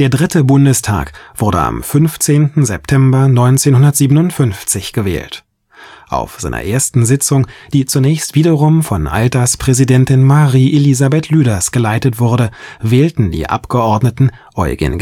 3. Bundestag wurde am 15. September 1957 gewählt. Auf seiner ersten Sitzung, die zunächst wiederum von Alterspräsidentin Marie Elisabeth Lüders geleitet wurde, wählten die Abgeordneten Eugen